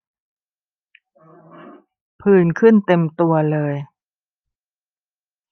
ผื่นขึ้นเต็มตัวเลย